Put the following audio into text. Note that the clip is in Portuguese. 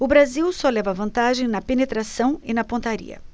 o brasil só leva vantagem na penetração e na pontaria